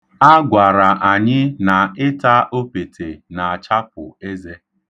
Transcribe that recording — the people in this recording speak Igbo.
A gwara anyị na ịta opete na-achapụ eze.